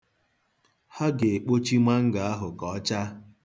Ha ga-ekpochi mango ahụ ka ọ chaa.